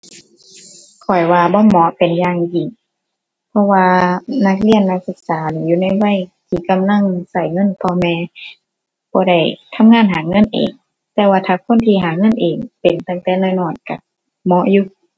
ข้อยว่าบ่เหมาะเป็นอย่างยิ่ง เพราะว่านักเรียน นักศึกษานี่อยู่ในวัยที่กำลังใช้เงินพ่อแม่ บ่ได้ทำงานหาเงินเอง แต่ว่าถ้าคนที่หาเงินเองเป็นตั้งแต่น้อยน้อยใช้เหมาะอยู่